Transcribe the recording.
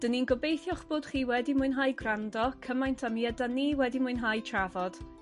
'Dyn ni'n gobeithio'ch bod chi wedi mwynhau gwrando cymaint â mi ydan ni wedi mwynhau trafod.